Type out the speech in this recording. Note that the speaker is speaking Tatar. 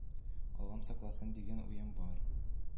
Аллам сакласын дигән уем бар